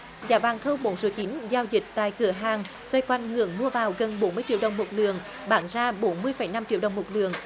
giá vàng thau bốn số chín giao dịch tại cửa hàng xoay quanh ngưỡng mua vào gần bốn mươi triệu đồng một lượng bán ra bốn mươi phẩy năm triệu đồng một lượng